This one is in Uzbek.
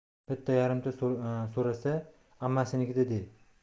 bitta yarimta so'rasa ammasinikida edi de